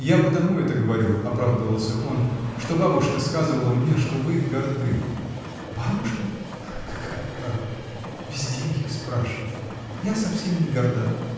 — Я потому это говорю, — оправдывался он, — что бабушка сказывала мне, что вы горды. — Бабушка? какая, право! Везде ее спрашивают! Я совсем не горда.